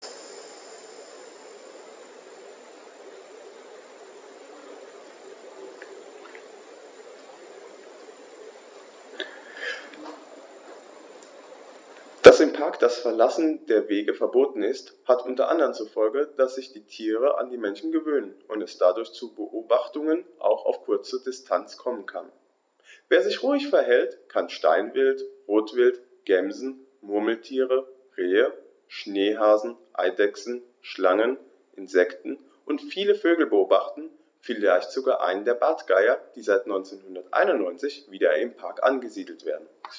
Dass im Park das Verlassen der Wege verboten ist, hat unter anderem zur Folge, dass sich die Tiere an die Menschen gewöhnen und es dadurch zu Beobachtungen auch auf kurze Distanz kommen kann. Wer sich ruhig verhält, kann Steinwild, Rotwild, Gämsen, Murmeltiere, Rehe, Schneehasen, Eidechsen, Schlangen, Insekten und viele Vögel beobachten, vielleicht sogar einen der Bartgeier, die seit 1991 wieder im Park angesiedelt werden.